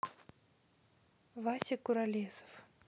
вася куролесов